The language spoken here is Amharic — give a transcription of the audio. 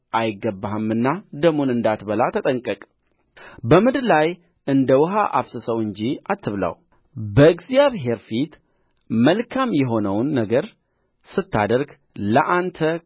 አይገባህምና ደሙን እንዳትበላ ተጠንቀቅ በምድር ላይ እንደ ውኃ አፍስሰው እንጂ አትብላው በእግዚአብሔር ፊት መልካም የሆነውን ነገር ስታደርግ ለአንተ